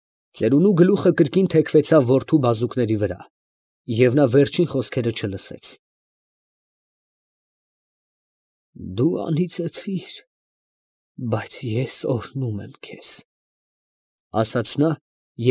Ծերունու գլուխը կրկին թեքվեցավ որդու բազուկների վրա, և նա վերջին խոսքերը չլսեց։ «Դու անիծեցիր, բայց ես օրհնում եմ քեզ»… ֊ ասաց նա և։